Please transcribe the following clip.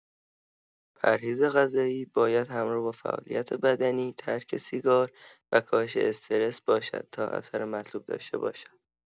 پرهیز غذایی باید همراه با فعالیت بدنی، ترک سیگار و کاهش استرس باشد تا اثر مطلوب داشته باشد.